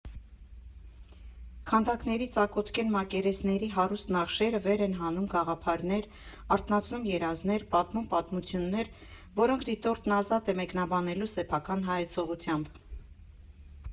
Քանդակների ծակոտկեն մակերեսների հարուստ նախշերը վեր են հանում գաղափարներ, արթնացնում երազներ, պատմում պատմություններ, որոնք դիտորդն ազատ է մեկնաբանելու սեփական հայեցողությամբ։